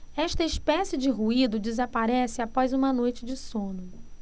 esta espécie de ruído desaparece após uma noite de sono